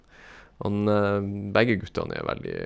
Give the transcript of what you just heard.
han Begge guttene er veldig...